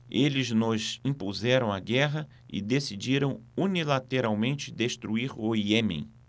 eles nos impuseram a guerra e decidiram unilateralmente destruir o iêmen